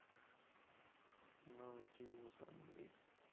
наутилус андрей